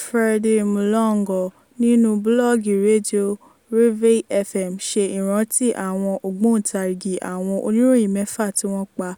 Freddy Mulongo [Fr] nínú búlọ́ọ̀gù Radio Revéil FM, ṣe ìrántí àwọn ógbóǹtarigì àwọn oníròyìn mẹ́fa tí wọ́n pa